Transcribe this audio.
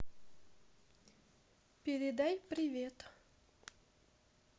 передай привет